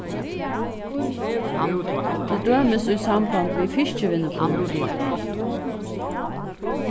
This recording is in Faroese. til dømis í samband við fiskivinnupolitikk